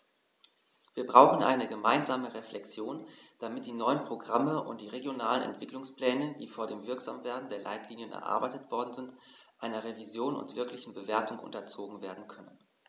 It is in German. Wir brauchen eine gemeinsame Reflexion, damit die neuen Programme und die regionalen Entwicklungspläne, die vor dem Wirksamwerden der Leitlinien erarbeitet worden sind, einer Revision und wirklichen Bewertung unterzogen werden können.